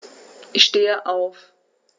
Ich stehe auf.